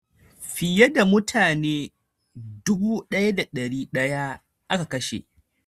Fiye da mutane 1,100 aka kashe.